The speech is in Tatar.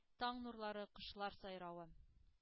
Таң нурлары, кошлар сайравы.